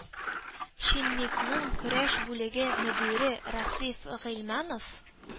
«шинник»ның көрәш бүлеге мөдире расиф гыйльманов